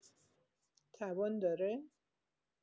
توان داره